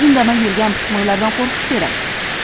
indamay yurgan pismiqlardan qo'rqish kerak